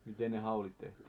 miten ne haulit tehtiin